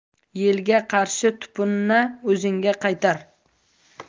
yelga qarshi tupunna o'zingga qaytar